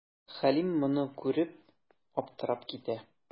Хәлим моны күреп, аптырап китә.